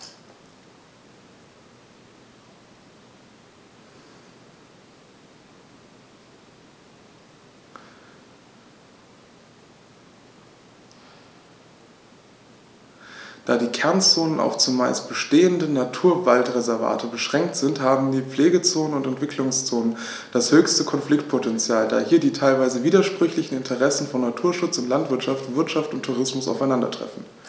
Da die Kernzonen auf – zumeist bestehende – Naturwaldreservate beschränkt sind, haben die Pflegezonen und Entwicklungszonen das höchste Konfliktpotential, da hier die teilweise widersprüchlichen Interessen von Naturschutz und Landwirtschaft, Wirtschaft und Tourismus aufeinandertreffen.